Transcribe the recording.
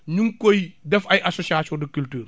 ñu ngi koy def ay association de culture